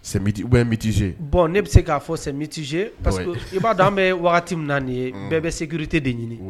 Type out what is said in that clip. Sɛ mitise bɔn ne bɛ se k'a fɔ sɛtizse pa i b'a dɔn an bɛ wagati min nin ye bɛɛ bɛ se gte de ɲini